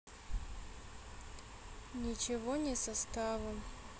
ничего не составом